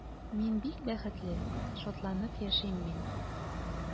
Мин бик бәхетле, шатланып яшим мин.